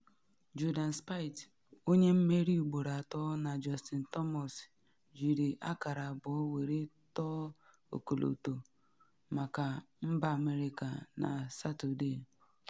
Jordan Spieth onye mmeri ugboro atọ na Justin Thomas jiri akara abụọ were tọọ ọkọlọtọ maka mba America na Satọde.